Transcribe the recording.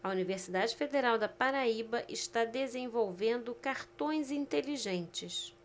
a universidade federal da paraíba está desenvolvendo cartões inteligentes